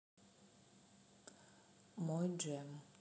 мой джем